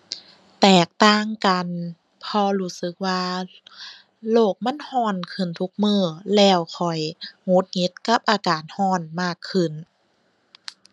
แตกต่างกัน เพราะรู้สึกว่าโลกมันร้อนขึ้นทุกมื้อ แล้วข้อยหงุดหงิดกับอากาศร้อนมากขึ้น